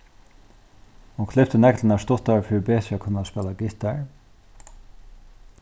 hon klipti neglirnar stuttar fyri betur at kunna spæla gittar